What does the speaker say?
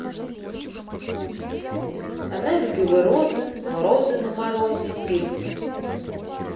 она любила розы но розы на морозе песня